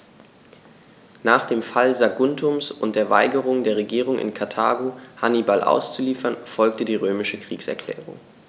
Nach dem Fall Saguntums und der Weigerung der Regierung in Karthago, Hannibal auszuliefern, folgte die römische Kriegserklärung.